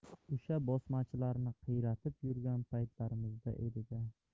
o'sha bosmachilarni qiyratib yurgan paytlarimizda edida